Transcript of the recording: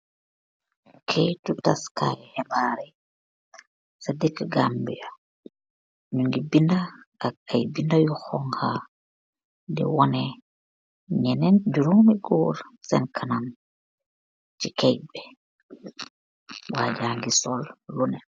Keyti tass kaati xibaar yi si dekee Gambia nyu gi benda ak ay bena yu xonxa di woneh genen juroomi goor sen kanam si keyt bi waa ja gi sol lunet.